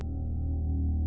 nếu